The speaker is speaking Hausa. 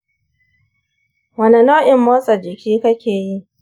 wane nau'in motsa jiki kake yi?